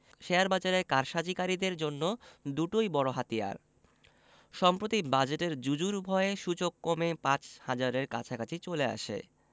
শেয়ারবাজারের কারসাজিকারীদের জন্য দুটোই বড় হাতিয়ার সম্প্রতি বাজেটের জুজুর ভয়ে সূচক কমে ৫ হাজারের কাছাকাছি চলে আসে